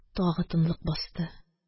Тагы тынлык басты.